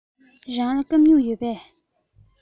རང ལ སྐམ སྨྱུག ཡོད པས